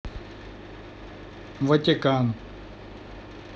ватикан